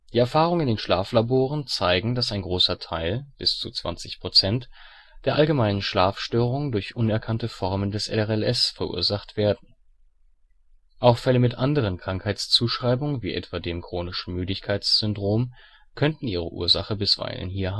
Erfahrungen in den Schlaflaboren zeigen, dass ein großer Teil (bis zu 20%) der allgemeinen Schlafstörungen durch unerkannte Formen des RLS verursacht werden. Auch Fälle mit anderen Krankheitszuschreibungen wie etwa dem chronischen Müdigkeitssyndrom (CFS) könnten ihre Ursache bisweilen hier